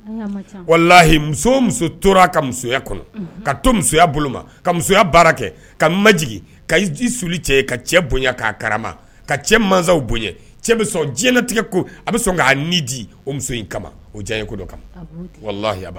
Hi tora muso ka bolo ka musoya kɛ ka maj ka ji soli cɛ ka cɛ bonya kara ka cɛ masaw bonya cɛ diɲɛ tigɛ ko a bɛ sɔn k' di muso in kama o diya ko kama walayi